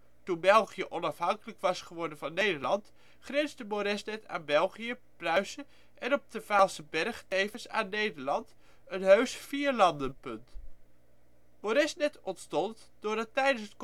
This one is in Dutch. toen België onafhankelijk was geworden van Nederland, grensde Moresnet aan België, Pruisen en op de Vaalserberg tevens aan Nederland, een heus vierlandenpunt. Moresnet ontstond doordat tijdens